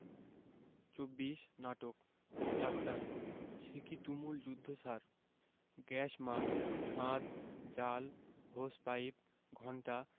২৪ নাটক ডাক্তার সেকি তুমুল যুদ্ধ স্যার গ্যাস মাস্ক ফাঁদ জাল হোস পাইপ ঘণ্টা